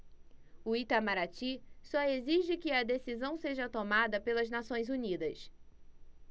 o itamaraty só exige que a decisão seja tomada pelas nações unidas